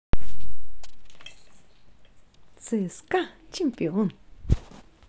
цска чемпион